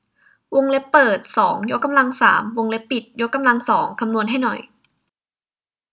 วงเล็บเปิดสองยกกำลังสามวงเล็บปิดยกกำลังสองคำนวณให้หน่อย